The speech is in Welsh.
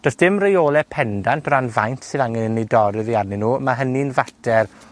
do's dim reole pendant o ran faint sydd angen i ni dorri oddi arnyn nw, ma' hynny'n fater